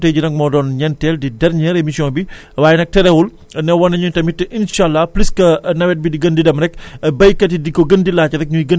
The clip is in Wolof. seen émission li nga xam ne moom lañ leen doon Louga FM jagleel jokkoo ceeg waa ECHO ñu ngi leen di sant di lee gërëm tay jii nag moo doon ñenteel di derni_re émission bi